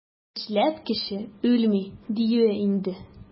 Эшләп кеше үлми, диюе инде.